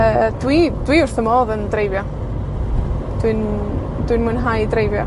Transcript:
Yy, dwi, dwi wrth fy modd yn dreifio. Dwi'n dwi'n mwynhau dreifio.